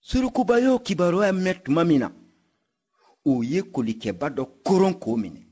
surukuba y'o kibaruya mɛn tuma min na o ye kolikɛba dɔ koron k'o minɛ